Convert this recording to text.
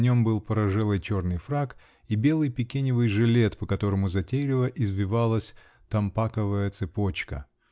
На нем был порыжелый черный фрак и белый пикеневый жилет, по которому затейливо извивалась томпаковая цепочка